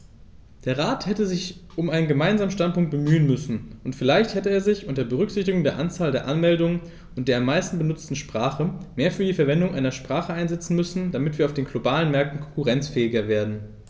Der Rat hätte sich um einen gemeinsamen Standpunkt bemühen müssen, und vielleicht hätte er sich, unter Berücksichtigung der Anzahl der Anmeldungen und der am meisten benutzten Sprache, mehr für die Verwendung einer Sprache einsetzen müssen, damit wir auf den globalen Märkten konkurrenzfähiger werden.